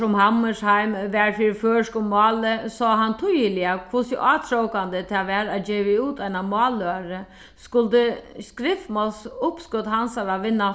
sum hammershaimb var fyri føroyskum máli sá hann týðiliga hvussu átrokandi tað var at geva út eina skuldi skriftmálsuppskot hansara vinna